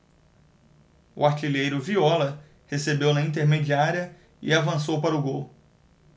o artilheiro viola recebeu na intermediária e avançou para o gol